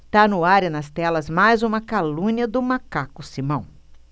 tá no ar e nas telas mais uma calúnia do macaco simão